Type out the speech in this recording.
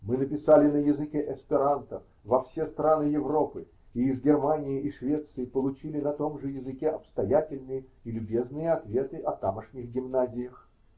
Мы написали на языке эсперанто во все страны Европы и из Германии и Швеции получили на том же языке обстоятельные и любезные ответы о тамошних гимназиях.